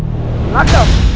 lá